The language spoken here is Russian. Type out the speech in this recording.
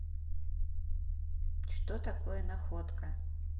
что такое находка